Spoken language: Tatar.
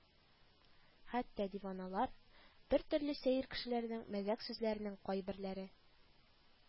Хәтта диваналар, бертөрле сәер кешеләрнең мәзәк сүзләренең кайберләре